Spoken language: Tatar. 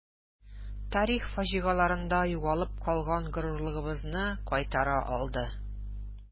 Тарих фаҗигаларында югалып калган горурлыгыбызны кайтара алды.